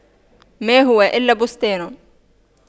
ما هو إلا بستان